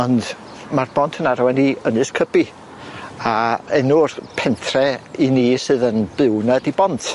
Ond ma'r bont yn arwain i Ynys Cybi a enw'r pentre i ni sydd yn byw 'na 'di Bont.